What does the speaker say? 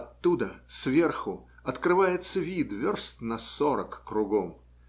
Оттуда, сверху, открывается вид верст на сорок кругом.